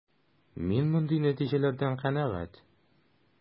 Мин мондый нәтиҗәләрдән канәгать.